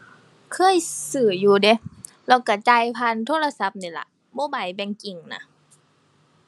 เคยซื้ออยู่เดะ แล้วก็จ่ายผ่านโทรศัพท์นี่ล่ะ mobile banking น่ะ